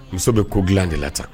Muso bɛ ko dilan de la tan